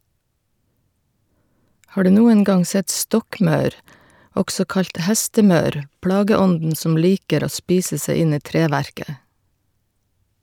Har du noen gang sett stokkmaur, også kalt hestemaur, plageånden som liker å spise seg inn i treverket?